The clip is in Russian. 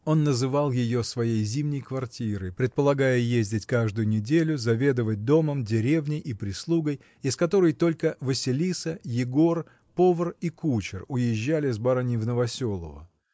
Он называл ее своей зимней квартирой, предполагая ездить каждую неделю, заведовать домом, деревней и прислугой, из которой только Василиса, Егор, повар и кучер уезжали с барыней в Новоселово.